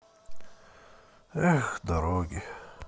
эх дороги